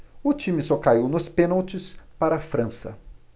o time só caiu nos pênaltis para a frança